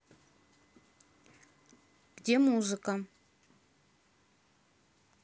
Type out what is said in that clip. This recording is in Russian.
где музыка